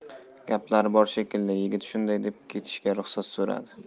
gaplari bor shekilli yigit shunday deb ketishga ruxsat so'radi